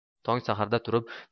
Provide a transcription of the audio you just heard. tong saharda turib